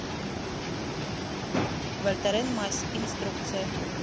вольтарен мазь инструкция